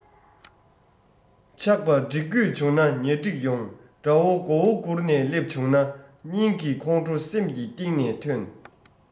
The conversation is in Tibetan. ཆག པ སྒྲིག དགོས བྱུང ན ཉ སྒྲིག ཡོང དགྲ བོ མགོ བོ སྒུར ནས སླེབས བྱུང ན སྙིང གི ཁོང ཁྲོ སེམས ཀྱི གཏིང ནས ཐོན